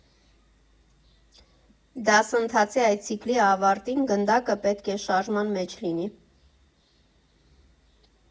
Դասընթացի այդ ցիկլի ավարտին գնդակը պետք է շարժման մեջ լինի։